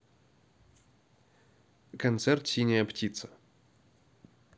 концерт синяя птица